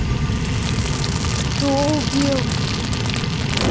кто убил